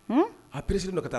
A peresi don ka taa